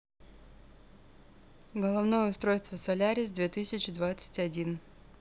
головное устройство solaris две тысячи двадцать один